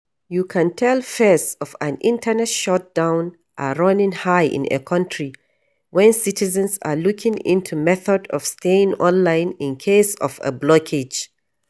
You can tell fears of an internet shutdown are running high in a country when citizens are looking into methods of staying online in case of a blockage.